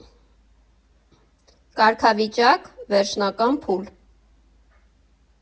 Կարգավիճակ՝ Վերջնական փուլ։